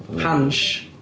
Hansh.